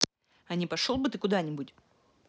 а не пошел бы ты куда нибудь